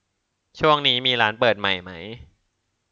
ช่วงนี้มีร้านเปิดใหม่ไหม